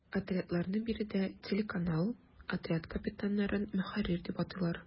Отрядларны биредә “телеканал”, отряд капитаннарын “ мөхәррир” дип атыйлар.